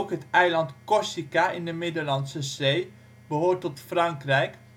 het eiland Corsica in de Middellandse Zee, behoort tot Frankrijk